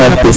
merci